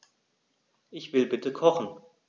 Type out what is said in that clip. Ich will bitte kochen.